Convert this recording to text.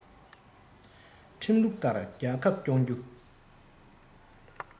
ཁྲིམས ལུགས ལྟར རྒྱལ ཁབ སྐྱོང རྒྱུ